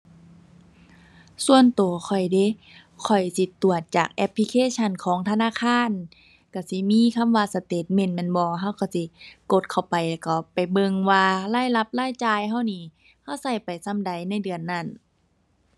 ส่วนตัวข้อยเดะ ข้อยสิตรวจจากแอปพลิเคชันของธนาคาร ตัวสิมีคำว่าสเตตเมนต์แม่นบ่ ตัวตัวสิกดเข้าไปก็ไปเบิ่งว่ารายรับรายจ่ายตัวนี่ ตัวตัวไปส่ำใดในเดือนนั้น